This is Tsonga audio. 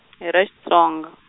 e ra Xitsonga.